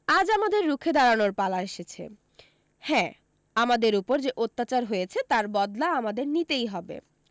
আজ আমাদের রুখে দাঁড়ানোর পালা এসেছে হ্যাঁ আমাদের উপর যে অত্যাচার হয়েছে তার বদলা আমাদের নিতেই হবে